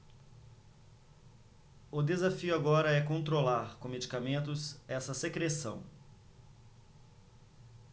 o desafio agora é controlar com medicamentos essa secreção